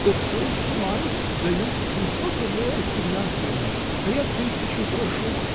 — Купцы снимают: дают семьсот рублей ассигнациями, а я тысячу прошу.